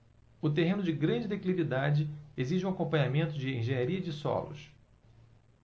o terreno de grande declividade exige um acompanhamento de engenharia de solos